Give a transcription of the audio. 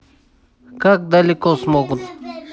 как далеко смогут